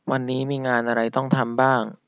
วันนี้มีงานอะไรต้องทำบ้าง